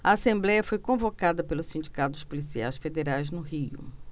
a assembléia foi convocada pelo sindicato dos policiais federais no rio